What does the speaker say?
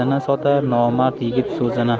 sotar nomard yigit o'zini